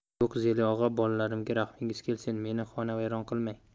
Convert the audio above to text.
yo'q zeli og'a bolalarimga rahmingiz kelsin meni xonavayron qilmang